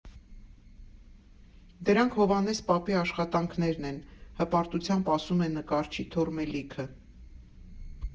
«Դրանք Հովհաննես պապի աշխատանքներն են», ֊ հպարտությամբ ասում է նկարչի թոռ Մելիքը։